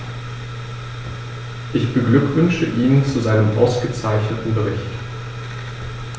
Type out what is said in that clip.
Ich beglückwünsche ihn zu seinem ausgezeichneten Bericht.